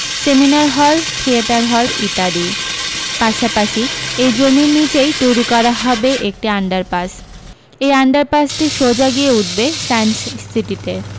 seminar hall theatre hall ইত্যাদি পাশাপাশি এই জমির নীচেই তৈরী করা হবে একটি আন্ডারপাস এই আন্ডারপাসটি সোজা গিয়ে উঠবে সায়েন্সসিটিতে